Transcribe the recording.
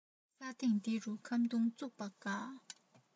ས སྟེང འདི རུ ཁམ སྡོང བཙུགས པ དགའ